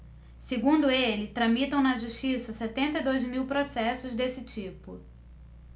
segundo ele tramitam na justiça setenta e dois mil processos desse tipo